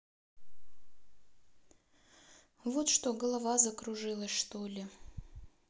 вот что голова закружилась что ли